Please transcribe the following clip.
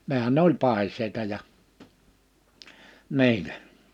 nehän ne oli paiseita ja niillä